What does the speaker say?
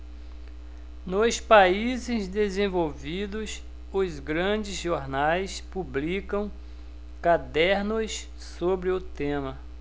nos países desenvolvidos os grandes jornais publicam cadernos sobre o tema